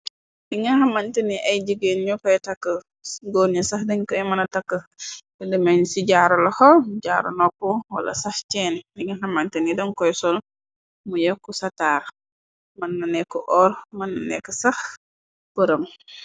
Li nga xamanta ni ay jigeen ño fay tàkk, góor ñi sax dañ koy mëna takk, filemen ci jaaru loxo, jaaru nopp, wala sax cenn, li nga xamant ni dam koy sol, mu yekk sataar, mën na nekk oor, mënna nekk sax përam.